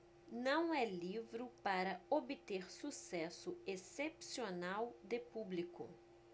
não é livro para obter sucesso excepcional de público